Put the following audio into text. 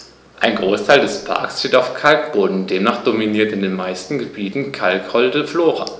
Ein Großteil des Parks steht auf Kalkboden, demnach dominiert in den meisten Gebieten kalkholde Flora.